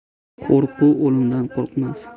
qo'rquv o'limdan qutqarmas